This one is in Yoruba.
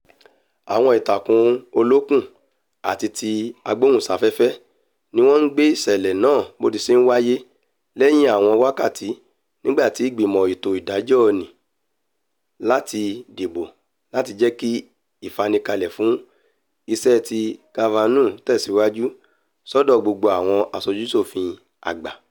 Àwọn ìtàkùn olókùn àti ti agbóhùnsáfẹ́fẹ́ ní wọ́n ńgbé ìṣẹ̀lẹ̀ náà bótiṣe ńwáyé lẹ́yìn àwọn wákàtí, nígbà tí Ìgbìmọ̀ Ètò Ìdájọ́ ní láti dìbò láti jẹ́kí ìfanikalẹ̀ fún iṣẹ́ ti Kavanaugh tẹ̀síwájú sọ́dọ̀ gbogbo àwọn Aṣojú-ṣòfin Àgbà.